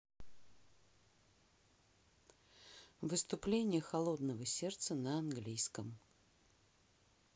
выступление холодного сердца на английском